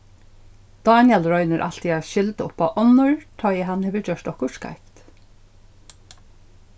dánjal roynir altíð at skylda upp á onnur tá ið hann hevur gjørt okkurt skeivt